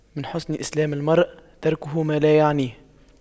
من حسن إسلام المرء تَرْكُهُ ما لا يعنيه